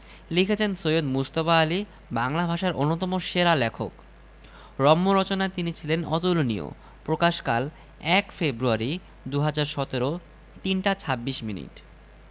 কোথায় দাঁড়িয়ে বলছে লোকটা এ কথা ফুটবল মাঠের সামনে দাঁড়িয়ে না সিনেমার টিকিট কাটার কিউ থেকে থাক্ থাক্ আমাকে খামাখা চটাবেন না বৃষ্টির দিন খুশ গল্প লিখব বলে কলম ধরেছিলুম